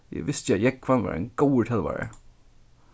eg visti at jógvan var ein góður telvari